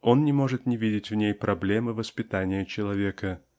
он не может не видеть в ней проблемы воспитания человека.